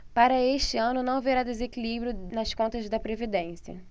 para este ano não haverá desequilíbrio nas contas da previdência